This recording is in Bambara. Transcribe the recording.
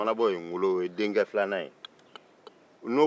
o mana bo yen ŋolo o ye denkɛ sabanan ye